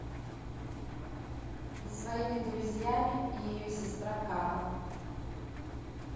и своими друзьями и ее сестра капа